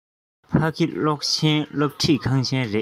ཕ གི གློག ཅན སློབ ཁྲིད ཁང ཆེན ཡིན